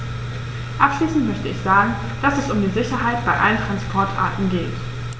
Abschließend möchte ich sagen, dass es um die Sicherheit bei allen Transportarten geht.